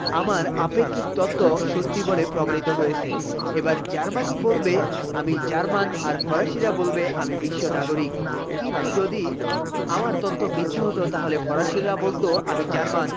আমার আপেক্ষিক তত্ত্ব সত্যি বলে প্রমাণিত হয়েছে এবার জার্মানি বলবে আমি জার্মান আর ফরাসিরা বলবে আমি বিশ্ব নাগরিক কিন্তু যদি আমার তথ্য মিথ্যে হত তাহলে ফরাসিরা বলতো আমি জার্মান